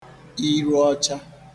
iru ọchạ